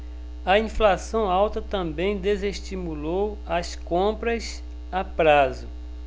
a inflação alta também desestimulou as compras a prazo